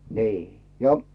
niin ja